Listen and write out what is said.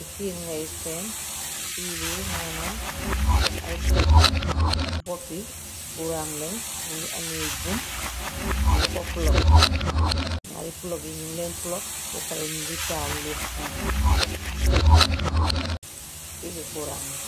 Fili ngay seen, fiili manam ay boppi ku rang leñ ñu ngi ameey bum, ñu ko plog, ñaari plog yi ñu leen plog , bea pare ñu gi taal lu xonxo fiili ku ranglan.